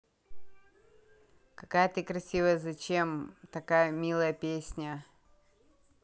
какая ты красивая зачем такая милая песня